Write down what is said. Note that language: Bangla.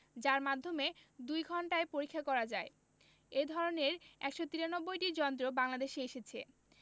যার মাধ্যমে দুই ঘণ্টায় পরীক্ষা করা যায় এ ধরনের ১৯৩টি যন্ত্র বাংলাদেশে এসেছে